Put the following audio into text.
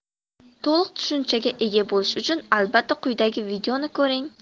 to'liq tushunchaga ega bo'lish uchun albatta quyidagi videoni ko'ring